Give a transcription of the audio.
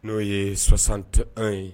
N'o ye sɔsan tɛ an ye